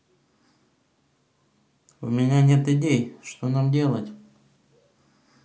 у меня нет идей что нам делать